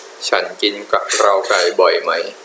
ฉันกินกะเพราไก่บ่อยไหม